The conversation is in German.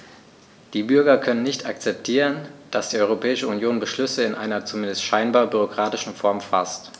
Die Bürger können nicht akzeptieren, dass die Europäische Union Beschlüsse in einer, zumindest scheinbar, bürokratischen Form faßt.